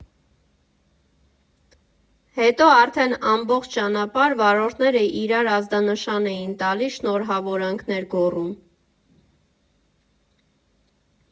Հետո արդեն ամբողջ ճանապարհ վարորդները իրար ազդանշան էին տալիս, շնորհավորանքներ գոռում։